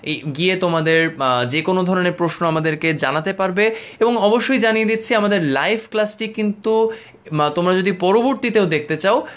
গিয়ে তোমাদের যে কোন ধরনের প্রশ্ন আমাদেরকে জানাতে পারবে এবং অবশ্যই জানিয়ে দিচ্ছি আমাদের লাইভ ক্লাস টি কিন্তু তোমরা যদি পরবর্তীতেও দেখতে চাও